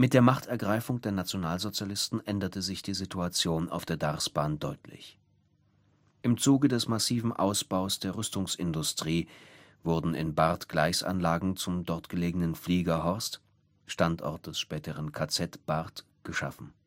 der Machtergreifung der Nationalsozialisten änderte sich die Situation auf der Darßbahn deutlich. Im Zuge des massiven Ausbaus der Rüstungsindustrie wurden in Barth Gleisanlagen zum dortigen Fliegerhorst (Standort des späteren KZ Barth) geschaffen